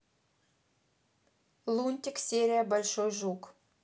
лунтик серия большой жук